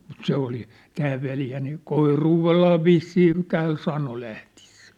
mutta se oli tämä veli niin koiruudella vissiin tämän sanoi lähtiessään